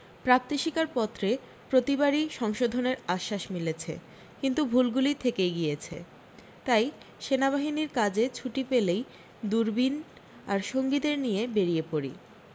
প্রাপ্তিস্বীকার পত্রে প্রতি বারই সংশোধনের আশ্বাস মিলেছে কিন্তু ভুলগুলি থেকেই গিয়েছে তাই সেনাবাহিনীর কাজে ছুটি পেলেই দূরবিন আর সঙ্গীদের নিয়ে বেরিয়ে পড়ি